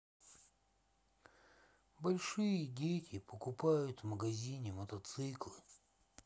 большие дети покупают в магазине мотоциклы